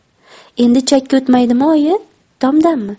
endi chakka o'tmaydimi oyi tomdanmi